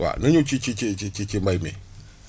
waaw nañ ñëw ci ci ci ci ci mbéy mi